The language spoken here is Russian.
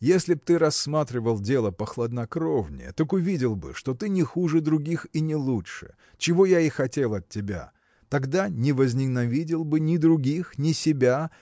– Если б ты рассматривал дело похладнокровнее так увидел бы что ты не хуже других и не лучше чего я и хотел от тебя тогда не возненавидел бы ни других ни себя